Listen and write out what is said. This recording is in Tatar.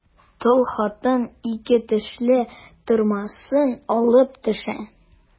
Тол хатын ике тешле тырмасын алып төшә.